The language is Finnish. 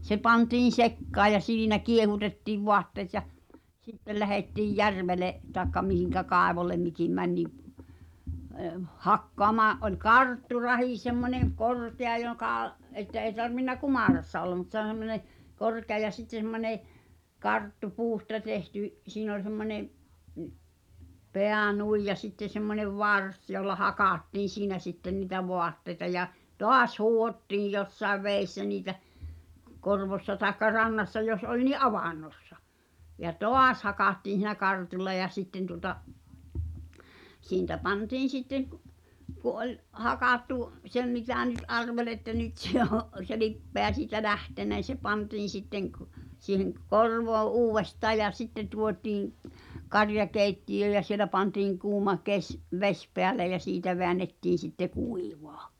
se pantiin sekaan ja siinä kiehutettiin vaatteet ja sitten lähdettiin järvelle tai mihin kaivolle mikin meni niin - hakkaamaan oli kartturahi semmoinen korkea joka että ei tarvinnut kumarassa olla mutta se on semmoinen korkea ja sitten semmoinen karttu puusta tehty siinä oli semmoinen pää noin ja sitten semmoinen varsi jolla hakattiin siinä sitten niitä vaatteita ja taas huuhdottiin jossakin vedessä niitä korvossa tai rannassa jos oli niin avannossa ja taas hakattiin siinä kartulla ja sitten tuota siitä pantiin sitten - kun oli hakattu sen mitä nyt arveli että nyt se on se lipeä siitä lähtenyt niin se pantiin sitten - siihen - korvoon uudestaan ja sitten tuotiin - karjakeittiöön ja siellä pantiin kuuma - vesi päälle ja siitä väännettiin sitten kuivaa